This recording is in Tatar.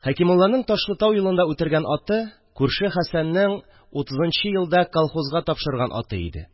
Хәкимулланың Ташлытау юлында үтергән аты күрше Хәсәннең утызынчы елда колхозга тапшырган аты иде